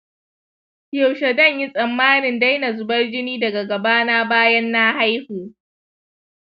yaushe danyi tsammanin daina zubar jini daga gabana bayan na haihu